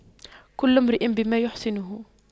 كل امرئ بما يحسنه